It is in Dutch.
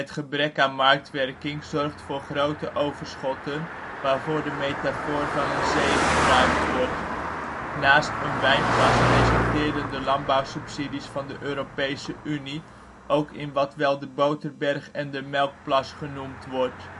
gebrek aan marktwerking zorgt voor grote overschotten waarvoor de metafoor van een zee gebruikt wordt. Naast een wijnplas resulteren de landbouwsubsidies van de Europese Unie ook in wat wel de boterberg en melkplas genoemd worden